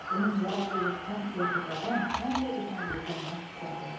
uning yaratilgandan e'tiboran qanday ekanligiga mos tushadi